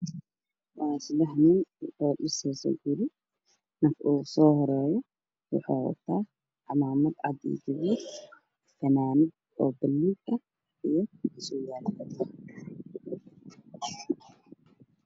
Waasadex nin midka usoo horeeyo waxa uu wataa cimaamad fanaanad buluug eh io sarwaal